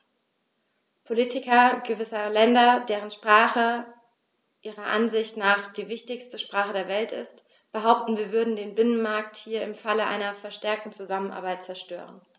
Politiker gewisser Länder, deren Sprache ihrer Ansicht nach die wichtigste Sprache der Welt ist, behaupten, wir würden den Binnenmarkt hier im Falle einer verstärkten Zusammenarbeit zerstören.